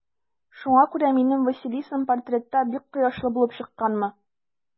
Шуңа күрә минем Василисам портретта бик кояшлы булып чыкканмы?